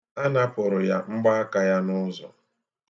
A napụrụ ya mgbaaka ya n'ụzọ.